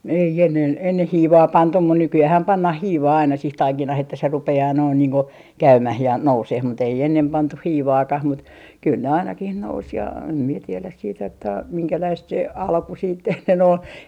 ei ennen ennen hiivaa pantu mutta nykyäänhän pannaan hiivaa aina siihen taikinaan että se rupeaa noin niin kuin käymään ja nousemaan mutta ei ennen pantu hiivaakaan mutta kyllä ne ainakin nousi ja en minä tiedä sitten että minkälaista se alku sitten ennen oli